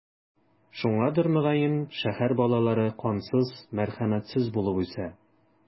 Шуңадыр, мөгаен, шәһәр балалары кансыз, мәрхәмәтсез булып үсә.